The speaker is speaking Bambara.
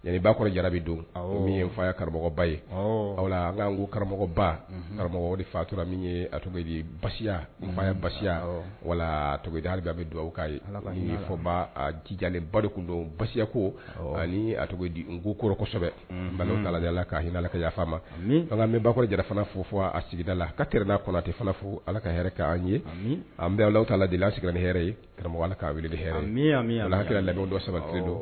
Bakɔrɔ jara don min fa karamɔgɔba ye wala an kaan ko karamɔgɔba karamɔgɔ fatura min ye basiya ba basiya wala to da bɛ dugawu ka fɔjalen ba tun don basiya ko ani a di ko kosɛbɛ dalala ka hinɛina ala kaɲa ma an bakɔrɔ jarafana fo fɔ a sigida la ka terir n'a kɔnɔtɛ fo ala kaɛrɛ' an ye an dela sigira hɛrɛ ye karamɔgɔ' wuli hɛrɛ alaha hakili la dɔ sabati don